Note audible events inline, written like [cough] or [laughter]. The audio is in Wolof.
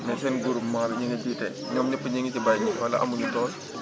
mais seen groupement bi ñi nga jiite [crosstalk] ñoom ñëpp ñu ng ci mbay mi walla